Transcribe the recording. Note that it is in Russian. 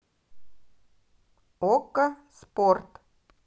окко спорт